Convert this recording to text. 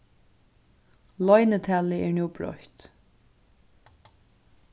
loynitalið er nú broytt